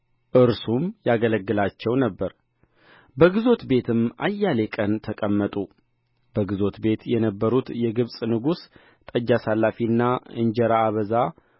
እርሱም ያገለግላቸው ነበር በግዞት ቤትም አያሌ ቀን ተቀመጡ በግዞት ቤት የነበሩት የግብፅ ንጉሥ ጠጅ አሳላፊና እንጀራ አበዛ